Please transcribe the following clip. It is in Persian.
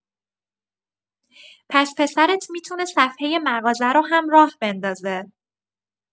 پس پسرت می‌تونه صفحه مغازه رو هم راه بندازه.